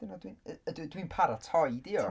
Dyna dwi'n y- y- dwi'n paratoi diolch... ti...